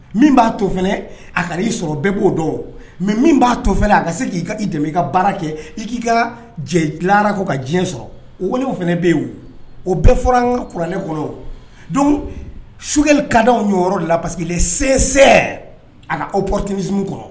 Min b'a tounɛ a ka'i sɔrɔ bɛɛ b'o dɔn mɛ min b'a to fana a ka se k' dɛmɛ ka baara kɛ i k'i ka jɛ dilanra kɔ ka diɲɛ sɔrɔ o weelew fana bɛ o bɛɛ fɔra an ka kuranɛ kɔnɔ don sokɛli kada la parce sensɛ a kaaw ptisumu kɔnɔ